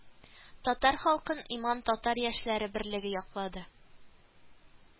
Татар халкын Иман татар яшьләре берлеге яклады